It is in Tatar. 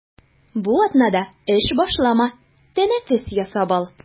Бу атнада эш башлама, тәнәфес ясап ал.